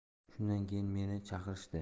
shundan keyin meni chaqirishdi